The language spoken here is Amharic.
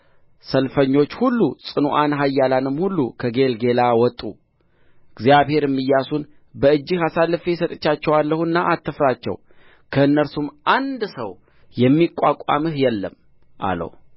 ሰልፈኞች ሁሉ ጽኑዓን ኃያላኑም ሁሉ ከጌልገላ ወጡ እግዚአብሔርም ኢያሱን በእጅህ አሳልፌ ሰጥቼአቸዋለሁና አትፍራቸው ከእነርሱም አንድ ሰው የሚቋቋምህ የለም አለው